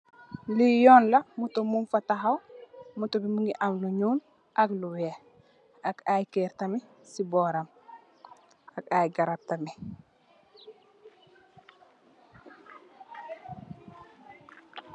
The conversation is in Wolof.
Lee yonn la motor mugfa tahaw motor be muge am lu nuul ak lu weex ak aye kerr tamin se boram ak aye garab tamin.